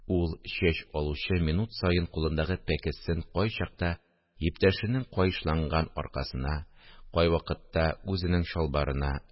Ул чәч алучы минут саен кулындагы пәкесен кайчакта иптәшенең каешланган аркасына, кайвакытта үзенең чалбарына